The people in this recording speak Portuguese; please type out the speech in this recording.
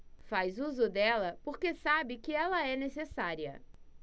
faz uso dela porque sabe que ela é necessária